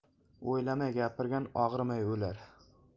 o'ylamay gapirgan og'rimay o'lar